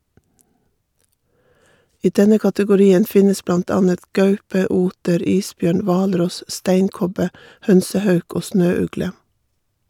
I denne kategorien finnes blant annet gaupe, oter, isbjørn, hvalross, steinkobbe, hønsehauk og snøugle.